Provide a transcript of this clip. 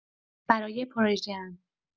برای پروژه‌ام